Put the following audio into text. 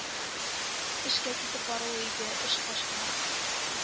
Эшкә китеп бару иде, эш качмас